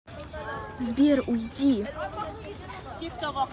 сбер уйди